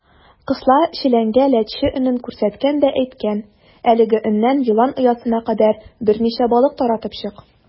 Кысла челәнгә ләтчә өнен күрсәткән дә әйткән: "Әлеге өннән елан оясына кадәр берничә балык таратып чык".